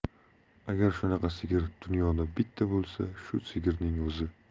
agar shunaqa sigir dunyoda bitta bo'lsa shu sigirning o'zi